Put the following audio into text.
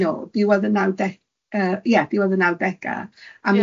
diwedd y nawde- yy ia diwedd y nawdega.